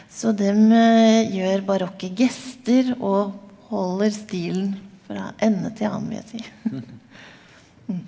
så dem gjør barokke gester og holder stilen fra ende til annen, vil jeg si .